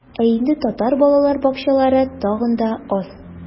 Ә инде татар балалар бакчалары тагын да аз.